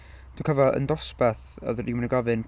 Dwi'n cofio yn dosbarth oedd rhywun yn gofyn...